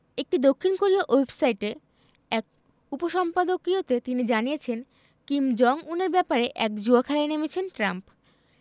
একটি দক্ষিণ কোরীয় ওয়েবসাইটে এক উপসম্পাদকীয়তে তিনি জানিয়েছেন কিম জং উনের ব্যাপারে এক জুয়া খেলায় নেমেছেন ট্রাম্প